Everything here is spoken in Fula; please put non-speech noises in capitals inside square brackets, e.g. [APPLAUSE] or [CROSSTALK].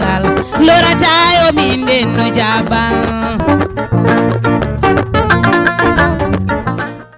[MUSIC]